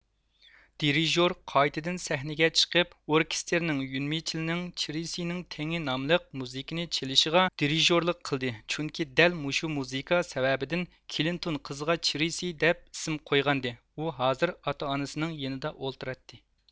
دىرىژور قايتىدىن سەھنىگە چىقىپ ئوركېستىرنىڭ يۈنمىچلنىڭ چىرىسنىڭ تېڭى ناملىق مۇزىكىنى چېلىشىغا دىرىژورلۇق قىلدى چۈنكى دەل مۇشۇ مۇزىكا سەۋەبىدىن كلىنتون قىزىغا چىرسىي دەپ ئىسىم قويغانىدى ئۇ ھازىر ئاتا ئانىسىنىڭ يېنىدا ئولتۇراتتى